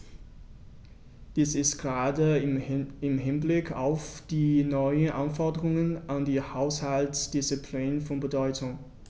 Dies ist gerade im Hinblick auf die neuen Anforderungen an die Haushaltsdisziplin von Bedeutung.